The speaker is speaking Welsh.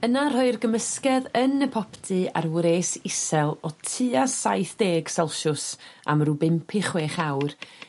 Yna rhoi'r gymysgedd yn y popty ar wres isel o tua saith deg selsiws am ryw bump iu chwech awr.